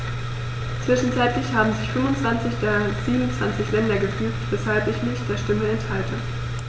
Zwischenzeitlich haben sich 25 der 27 Länder gefügt, weshalb ich mich der Stimme enthalte.